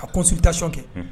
A ko si tɛ sɔn kɛ